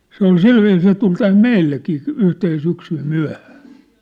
se oli sillä viisiin se tuli tänne meillekin yhtenä syksynä myöhään